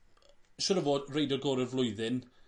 siŵr o fod reidiwr gore'r flwyddyn